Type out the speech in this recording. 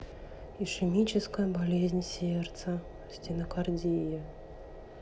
ишемическая болезнь сердца стенокардия